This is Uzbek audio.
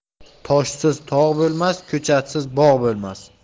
toshsiz tog' bo'lmas ko'chatsiz bog' bo'lmas